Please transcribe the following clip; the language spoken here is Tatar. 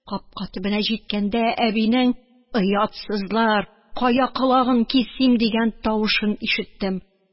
Капка төбенә җиткәндә, әбинең: – Оятсызлар, кая, колагын кисим! – дигән тавышын ишеттем.